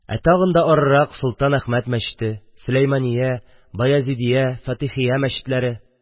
Ә тагы да арырак – солтан Әхмәт мәчете, Сөләймания, Баязидия, Фатихия мәчетләре...